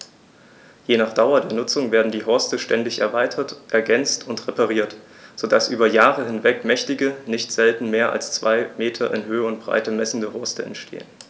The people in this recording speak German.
Je nach Dauer der Nutzung werden die Horste ständig erweitert, ergänzt und repariert, so dass über Jahre hinweg mächtige, nicht selten mehr als zwei Meter in Höhe und Breite messende Horste entstehen.